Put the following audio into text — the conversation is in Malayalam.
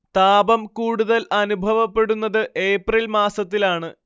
താപം കൂടുതൽ അനുഭവപ്പെടുന്നത് ഏപ്രിൽ മാസത്തിലാണ്